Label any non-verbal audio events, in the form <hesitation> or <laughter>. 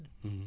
<hesitation> <hesitation>